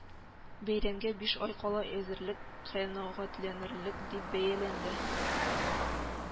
Бәйрәмгә биш ай кала әзерлек канәгатьләнерлек, дип бәяләнде